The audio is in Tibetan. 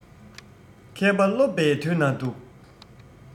མཁས པ སློབ པའི དུས ན སྡུག